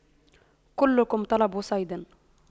كلكم طلب صيد